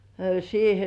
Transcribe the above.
siihen